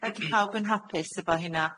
Ie rhaid i pawb yn hapus efo hynna.